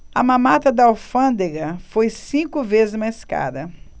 a mamata da alfândega foi cinco vezes mais cara